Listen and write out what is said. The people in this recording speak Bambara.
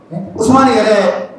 Usumani yɛrɛ